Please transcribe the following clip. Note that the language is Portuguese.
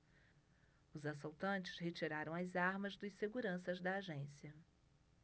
os assaltantes retiraram as armas dos seguranças da agência